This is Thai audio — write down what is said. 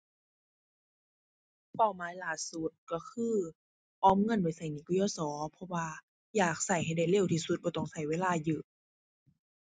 เป้าหมายล่าสุดก็คือ ออมเงินไว้ก็หนี้ กยศ. เพราะว่าอยากก็ให้ได้เร็วที่สุด บ่ต้องก็เวลาเยอะ